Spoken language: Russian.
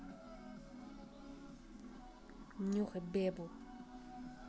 нюхай бебу